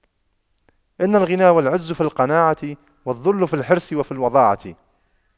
إن الغنى والعز في القناعة والذل في الحرص وفي الوضاعة